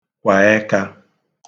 kwà ẹkā